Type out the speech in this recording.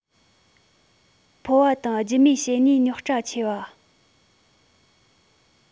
ཕོ བ དང རྒྱུ མའི བྱེད ནུས རྙོག དྲ ཆེ བ